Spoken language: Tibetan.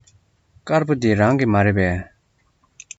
དཀར པོ འདི རང གི མ རེད པས